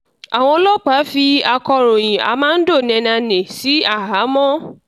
Àwọn ọlọ́pàá fi akọ̀ròyìn Armando Nenane sí àhámọ́.